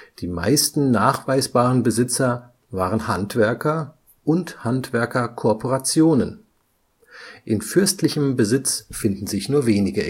Die meisten nachweisbaren Besitzer waren Handwerker und Handwerkerkorporationen. In fürstlichem Besitz finden sich nur wenige